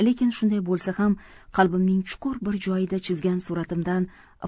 lekin shunday bo'lsa ham qalbimning chuqur bir joyida chizgan suratimdan